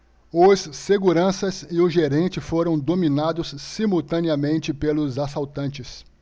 os seguranças e o gerente foram dominados simultaneamente pelos assaltantes